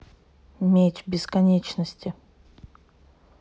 меч бесконечности